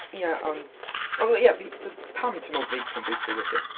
Ia, ond... O wel ia, f- y- pam ti'n meddwl bod beicio'n bwysig felly?